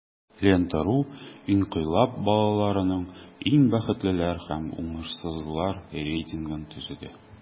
"лента.ру" инкыйлаб балаларының иң бәхетлеләр һәм уңышсызлар рейтингын төзеде.